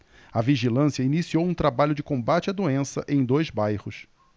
a vigilância iniciou um trabalho de combate à doença em dois bairros